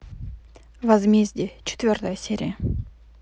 возмездие четвертая серия